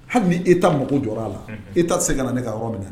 Hali ni Etat mako jɔra la , Etat tɛ se ka na ne ka yɔrɔ minɛ.